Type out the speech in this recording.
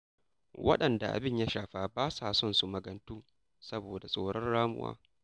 Waɗanda abin ya shafa ba sa son su magantu saboda tsoron ramuwa.